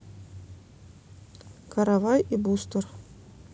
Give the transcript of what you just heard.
каравай и бустер